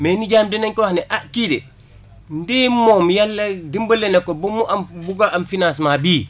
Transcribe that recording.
mais nijaayam danañ ko wax ni ah kii de ndéem moom yàlla dimbale na ko ba mu am bugg a am finacement bii